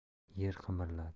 yer qimirladi